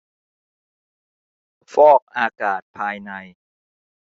ฟอกอากาศภายใน